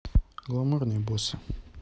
гламурные боссы